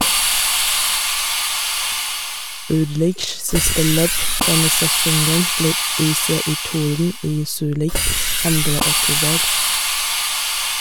Ullrichs siste løp denne sesongen blir UCI-touren i Zürich 2. oktober.